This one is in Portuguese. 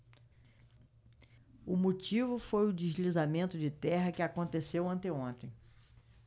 o motivo foi o deslizamento de terra que aconteceu anteontem